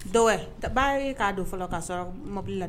Dɔw baarari k'a don fɔlɔ k'a sɔrɔ mobili la